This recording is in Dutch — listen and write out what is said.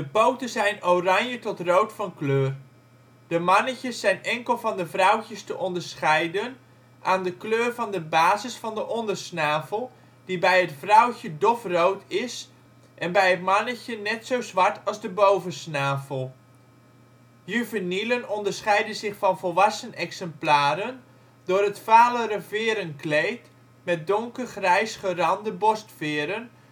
poten zijn oranje tot rood van kleur. De mannetjes zijn enkel van de vrouwtjes te onderscheiden aan de kleur van de basis van de ondersnavel, die bij het vrouwtje dofrood is en bij het mannetje net zo zwart als de bovensnavel. Juvenielen onderscheiden zich van volwassen exemplaren door het valere verenkleed met donkergrijs gerande borstveren, gevlekte